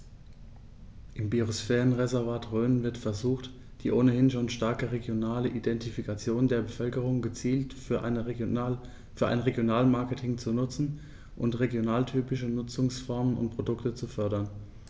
Im Biosphärenreservat Rhön wird versucht, die ohnehin schon starke regionale Identifikation der Bevölkerung gezielt für ein Regionalmarketing zu nutzen und regionaltypische Nutzungsformen und Produkte zu fördern.